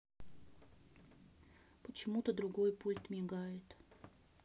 почему то другой пульт мигает